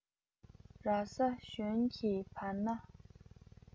ར ས ཞོལ གྱི བར ན